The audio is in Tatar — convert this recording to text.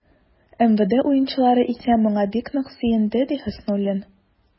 МВД уенчылары исә, моңа бик нык сөенде, ди Хөснуллин.